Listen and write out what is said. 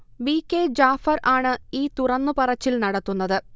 V. K Jafar ആണ് ഈ തുറന്നു പറച്ചിൽ നടത്തുന്നത്